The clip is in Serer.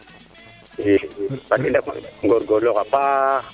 i fat i ndako ngorgorlaxa paax